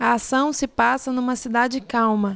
a ação se passa numa cidade calma